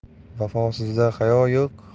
vafosizda hayo yo'q